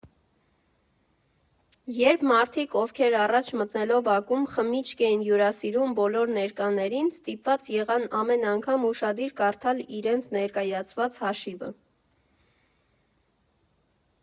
Երբ մարդիկ, ովքեր առաջ, մտնելով ակումբ, խմիչք էին հյուրասիրում բոլոր ներկաներին, ստիպված եղան ամեն անգամ ուշադիր կարդալ իրենց ներկայացված հաշիվը։